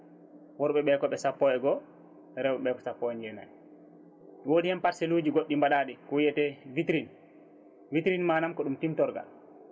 worɓeɓe kooɓe sappo e goho rewɓeɓe ko sappo e jeenayyo woodi hen parcelle uji goɗɗi mbaɗaɗi ko wiyete vitrine vitrine manan ko ɗum timtorgal